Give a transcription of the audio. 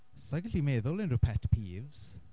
Sa i'n gallu meddwl am unrhyw pet peeves.